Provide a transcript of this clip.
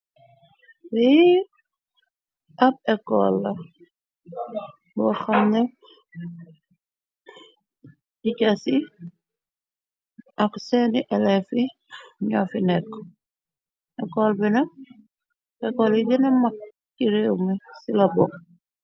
Wi ab ekoolla bo xam nekp jigasi ak seeni eleef i ñoo fi nekk ecol bina ecol yi dëna mag ki réew mi ci la bopp.